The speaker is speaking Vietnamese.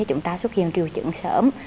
chúng ta xuất hiện triệu chứng sớm